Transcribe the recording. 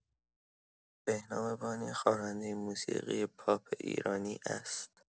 بهنام بانی خواننده موسیقی پاپ ایرانی است.